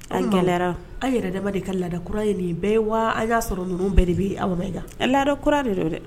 A gɛlɛyara, an yɛrɛ de ka laada kura ye nin bɛɛ ye wa , an y'a sɔrɔ ninnu bɛɛ de bɛ yen, Awa Mayiga, laada kura de don dɛ!